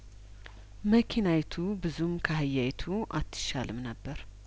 መኪና ዪቱ ብዙም ካህያዪቱ አትሻልም ነበር